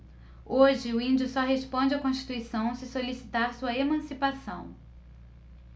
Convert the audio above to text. hoje o índio só responde à constituição se solicitar sua emancipação